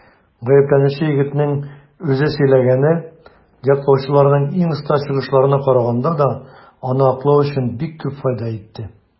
Гаепләнүче егетнең үзе сөйләгәне яклаучыларның иң оста чыгышларына караганда да аны аклау өчен бик күп файда итте.